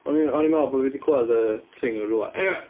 O'n i o'n i'n meddwl bod fi 'di clywad y thing yn rhywle eniwe...